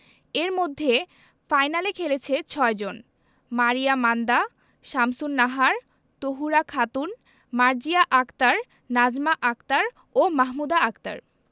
এর মধ্যে ফাইনালে খেলেছে ৬ জন মারিয়া মান্দা শামসুন্নাহার তহুরা খাতুন মার্জিয়া আক্তার নাজমা আক্তার ও মাহমুদা আক্তার